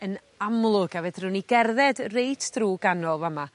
yn amlwg a fedrwn ni gerdded reit drw ganol fa' 'ma.